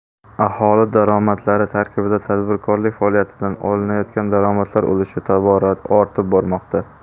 aholi daromadlari tarkibida tadbirkorlik faoliyatidan olinayotgan daromadlar ulushi toboraortib bormoqda